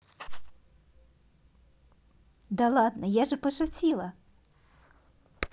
да ладно я же пошутила